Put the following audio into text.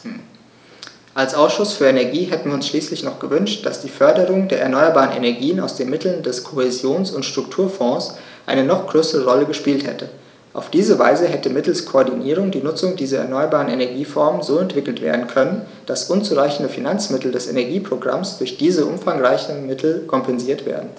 Als Ausschuss für Energie hätten wir uns schließlich noch gewünscht, dass die Förderung der erneuerbaren Energien aus den Mitteln des Kohäsions- und Strukturfonds eine noch größere Rolle gespielt hätte. Auf diese Weise hätte mittels Koordinierung die Nutzung dieser erneuerbaren Energieformen so entwickelt werden können, dass unzureichende Finanzmittel des Energieprogramms durch diese umfangreicheren Mittel kompensiert werden.